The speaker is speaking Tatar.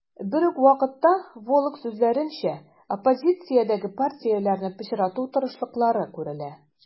Берүк вакытта, Волк сүзләренчә, оппозициядәге партияләрне пычрату тырышлыклары күрелә.